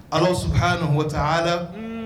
Ala sɔrɔ' ninta ha la